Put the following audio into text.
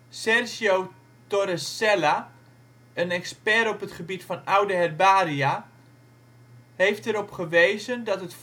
Sergio Toresella, een expert op het gebied van oude herbaria, heeft erop gewezen dat het